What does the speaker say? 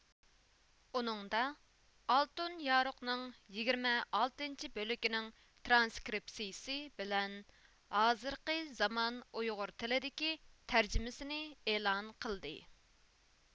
ئۇنىڭدا ئالتۇن يارۇقنىڭ يىگىرمە ئالتىنچى بۆلىكىنىڭ ترانسكرىپسىيىسى بىلەن ھازىرقى زامان ئۇيغۇر تىلىدىكى تەرجىمىسىنى ئېلان قىلدى